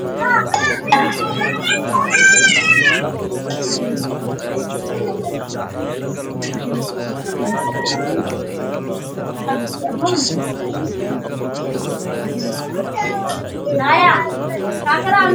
Halkaan wa jaranjaro guri dhisan